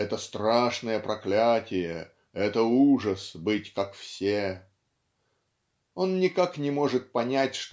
"это - страшное проклятие, это - ужас быть как все" он никак не может понять